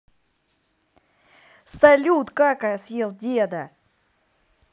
салют какая съел деда